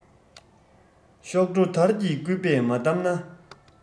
གཤོག སྒྲོ དར གྱིས སྐུད པས མ བསྡམས ན